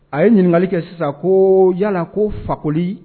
A ye ɲininkakali kɛ sisan ko yala ko fakoli